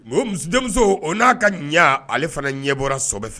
Bon muso denmuso o n'a ka ale fana ɲɛ bɔra so fɛ